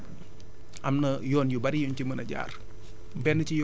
yooyu nag am yoon yu bëri yuñ ci mën a jaar